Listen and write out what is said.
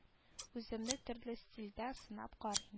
Үземне төрле стильдә сынап кар